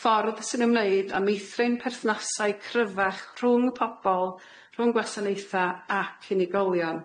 Ffordd sy'n ymwneud â meithrin perthnasau cryfach rhwng pobol, rhwng gwasanaetha ac unigolion.